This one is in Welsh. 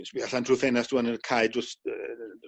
dwi'n sbio allan drw'r ffenast ŵan yn y cae drws yy